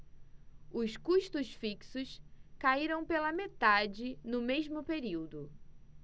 os custos fixos caíram pela metade no mesmo período